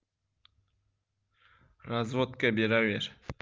razvodga beraver